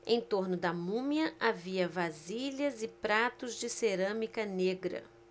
em torno da múmia havia vasilhas e pratos de cerâmica negra